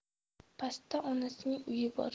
pastda onasining uyi bor